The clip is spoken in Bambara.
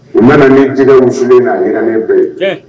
U mana na jinɛ mi sigilen na yɛrɛnen bɛɛ ye